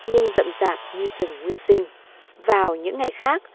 nhưng rậm rạp như rừng nguyên sinh vào những ngày khác